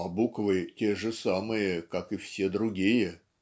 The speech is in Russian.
"а буквы те же самые, как и все другие",